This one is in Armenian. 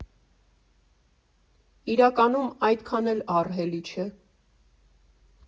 Իրականում, այդքան էլ ահռելի չէ։